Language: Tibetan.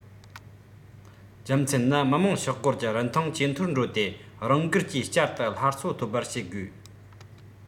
རྒྱུ མཚན ནི མི དམངས ཤོག སྒོར གྱི རིན ཐང ཇེ མཐོར འགྲོ ཏེ རང འགུལ གྱིས བསྐྱར དུ སླར གསོ ཐོབ པ བྱེད དགོས